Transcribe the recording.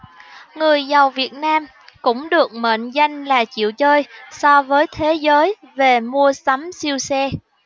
người giàu việt nam cũng được mệnh danh là chịu chơi so với thế giới về mua sắm siêu xe